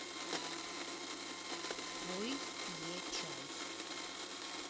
ой е чайф